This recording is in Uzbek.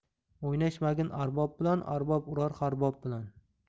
o'ynashmagin arbob bilan arbob urar har bob bilan